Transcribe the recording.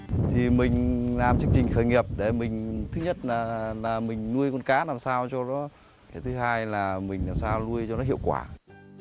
thì mình làm chương trình khởi nghiệp để mình thích nhất là là mình nuôi con cá làm sao cho nó cái thứ hai là mình làm sao nuôi cho nó hiệu quả